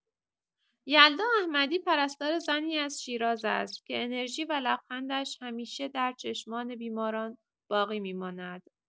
یلدا احمدی پرستار زنی از شیراز است که انرژی و لبخندش همیشه در چشمان بیماران باقی می‌ماند.